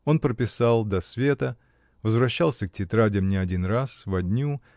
Он прописал до света, возвращался к тетрадям не один раз во дню